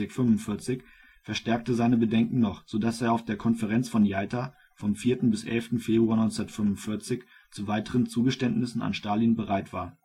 45 verstärkte seine Bedenken noch, so dass er auf der Konferenz von Jalta vom 4. bis 11. Februar 1945 zu weiteren Zugeständnissen an Stalin bereit war